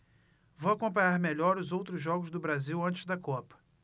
vou acompanhar melhor os outros jogos do brasil antes da copa